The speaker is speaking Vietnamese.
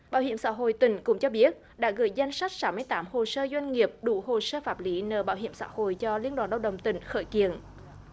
bảo hiểm xã hội tỉnh cũng cho biết đã gửi danh sách sáu mươi tám hồ sơ doanh nghiệp đủ hồ sơ pháp lý nợ bảo hiểm xã hội do liên đoàn lao động tỉnh khởi kiện